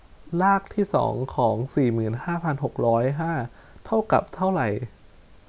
รากที่สองของสี่หมื่นห้าพันหกร้อยห้าเท่ากับเท่าไหร่